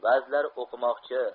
va'zlar o'qimoqchi